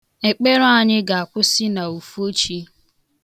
Ekpere anyị ga-akwụsị n' ufochi.